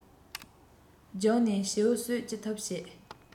བརྒྱུགས ནས བྱིའུ གསོད ཅི ཐུབ བྱེད